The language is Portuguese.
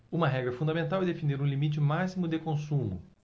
uma regra fundamental é definir um limite máximo de consumo